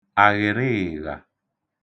àghị̀rịị̀ghà